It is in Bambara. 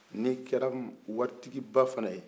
ni kɛra wari tigiba dɔ fana ye